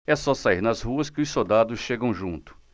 é só sair nas ruas que os soldados chegam junto